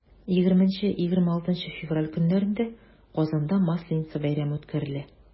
20-26 февраль көннәрендә казанда масленица бәйрәме үткәрелә.